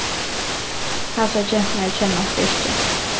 hasar genturnar kennast ikki